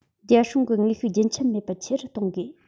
རྒྱལ སྲུང གི དངོས ཤུགས རྒྱུན ཆད མེད པར ཆེ རུ གཏོང དགོས